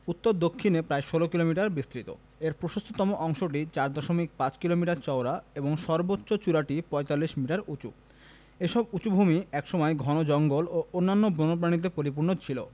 উত্তর দক্ষিণে প্রায় ১৭ কিলোমিটার বিস্তৃত এর প্রশস্ততম অংশটি ৪ দশমিক ৫ কিলোমিটার চওড়া এবং সর্বোচ্চ চূড়াটি ৪৫ মিটার উঁচু এসব উঁচু ভূমি এক সময় ঘন জঙ্গল ও অসংখ্য বন্যপ্রাণীতে পরিপূর্ণ ছিল